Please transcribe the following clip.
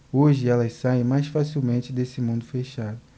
hoje elas saem mais facilmente desse mundo fechado